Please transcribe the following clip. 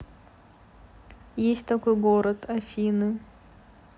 есть такой город афины